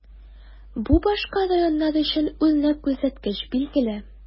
Бу башка районнар өчен үрнәк күрсәткеч, билгеле.